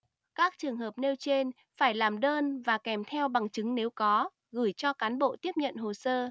các trường hợp trên phải làm đơn và kèm theo các bằng chứng nếu có gửi cho cán bộ tiếp nhận hồ sơ